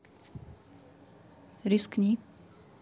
рискни